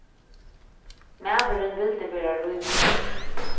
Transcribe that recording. maðurin vildi vera ríkur